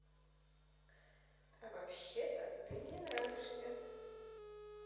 а вообще то ты мне нравишься